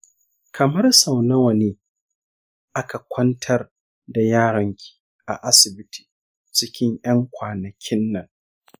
kamar sau nawa ne aka kwantar da yaronki a asibiti cikin yan kwanakinnan?